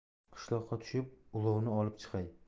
qishloqqa tushib ulovni olib chiqay